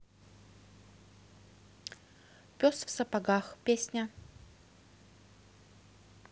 пес в сапогах песня